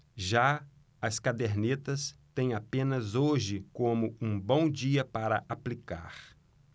já as cadernetas têm apenas hoje como um bom dia para aplicar